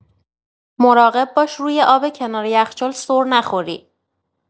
مراقب باش روی آب کنار یخچال سر نخوری.